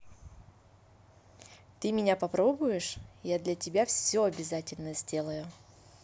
ты меня попробуешь я для тебя все обязательно сделаю